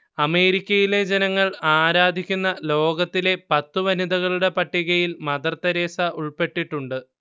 അമേരിക്കയിലെ ജനങ്ങൾ ആരാധിക്കുന്ന ലോകത്തിലെ പത്തു വനിതകളുടെ പട്ടികയിൽ മദർ തെരേസ ഉൾപ്പെട്ടിട്ടുണ്ട്